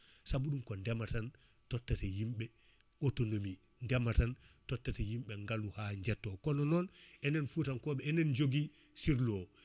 saabu ɗum ko deema tan totta yimɓe autonomie deema tan totta yimɓe ngaalu ha jetto kono noon enen Foutankoɓe enen jogui sirlu o